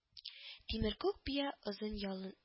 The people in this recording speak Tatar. Тимер күк бия озын ялын